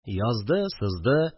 Язды-сызды